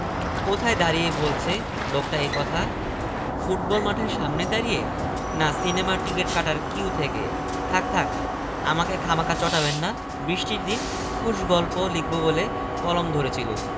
লোক পাঠিয়ে তড়িঘড়ি কিনিয়ে নিয়েছিলেন যত কম লোকে কেনাকাটার খবরটা জানতে পারে ততই মঙ্গল বাঙলা দেশে নাকি একবার এরকম টিকেট বিক্রি হয়েছিল